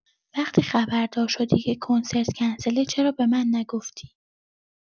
وقتی خبردار شدی که کنسرت کنسله، چرا به من نگفتی؟